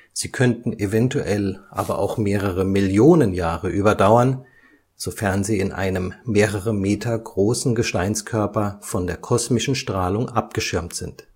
Sie könnten eventuell aber auch mehrere Millionen Jahre überdauern, sofern sie in einem mehrere Meter großen Gesteinskörper von der kosmischen Strahlung abgeschirmt sind